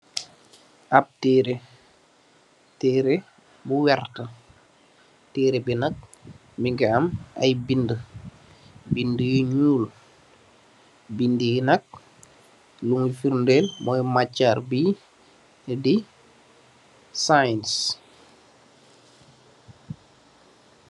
Ab tereh tereh bu werta tereh be nak muge am aye bede bede yu nuul bede ye nak lum ferdel moye macherr be de Science.